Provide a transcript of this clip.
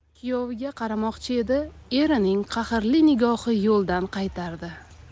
kuyoviga qaramoqchi edi erining qahrli nigohi yo'ldan qaytardi